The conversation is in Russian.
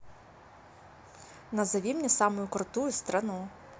назови мне самую крутую страну